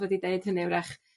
wedi deud hynny 'w'rach